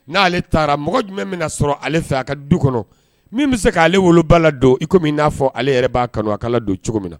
N'ale taara mɔgɔ jumɛn min sɔrɔ ale fɛ a ka du kɔnɔ min bɛ se k'ale woloba la don n'a fɔ ale yɛrɛ'a kanu don cogo min na